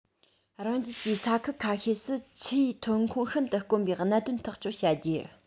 རང རྒྱལ གྱི ས ཁུལ ཁ ཤས སུ ཆུའི ཐོན ཁུངས ཤིན ཏུ དཀོན པའི གནད དོན ཐག གཅོད བྱ རྒྱུ